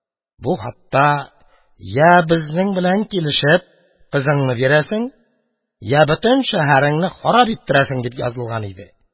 Бу хатта «Йә, безнең белән килешеп, кызыңны бирәсең, йә бөтен шәһәреңне харап иттерәсең» дип язылган иде.